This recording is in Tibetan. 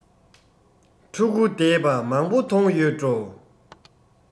ཕྲུ གུ བསྡད པ མང པོ མཐོང ཡོད འགྲོ